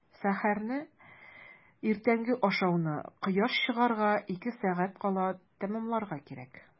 Сәхәрне – иртәнге ашауны кояш чыгарга ике сәгать кала тәмамларга кирәк.